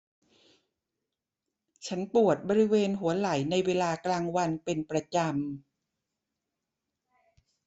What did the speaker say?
ฉันปวดบริเวณหัวไหล่ในเวลากลางวันเป็นประจำ